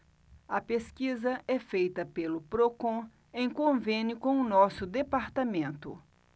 a pesquisa é feita pelo procon em convênio com o diese